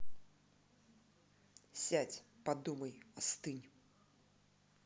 сядь подумай остынь